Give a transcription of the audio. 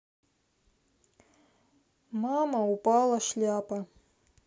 мама упала шляпа